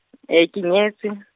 e e ke nyetswe.